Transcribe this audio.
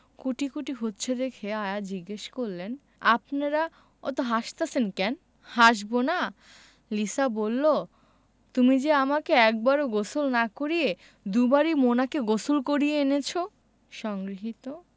কুটিকুটি হচ্ছে দেখে আয়া জিজ্ঞেস করলেন আপনেরা অত হাসতাসেন ক্যান হাসবোনা লিসা বললো তুমি যে আমাকে একবারও গোসল না করিয়ে দুবারই মোনাকে গোসল করিয়ে এনেছো সংগৃহীত